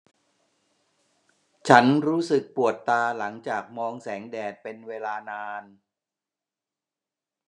ฉันรู้สึกปวดตาหลังจากมองแสงแดดเป็นเวลานาน